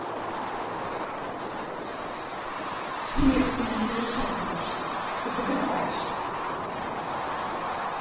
нет ты не совершенствуешься ты подыхаешь